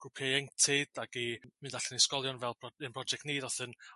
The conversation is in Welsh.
grwpia' ieuenctid ag i mynd allan i ysgolion fel project ni ddoth yn